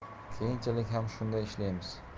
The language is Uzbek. keyinchalik ham shunday ishlaymiz